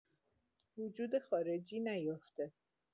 وجود خارجی نیافته!